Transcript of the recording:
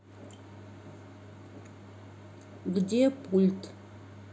где пульт